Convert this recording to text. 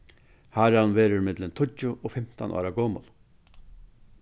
haran verður millum tíggju og fimtan ára gomul